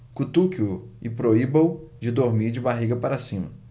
cutuque-o e proíba-o de dormir de barriga para cima